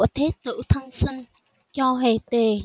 thế tử của thân sinh cho hề tề